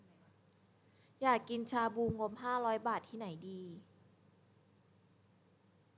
อยากกินชาบูงบห้าร้อยบาทที่ไหนดี